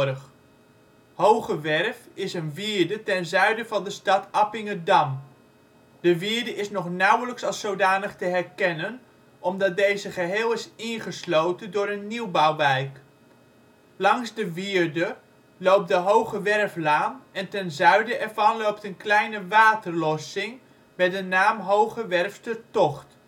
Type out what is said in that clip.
ook: Hogewerf) is een wierde ten zuiden van de stad Appingedam. De wierde is nog nauwelijks als zodanig te herkennen omdat deze geheel is ingesloten door een nieuwbouwwijk. Langs de wierde loopt de Hogewerflaan en ten zuiden ervan loopt een kleine waterlossing met de naam Hoogewerfstertocht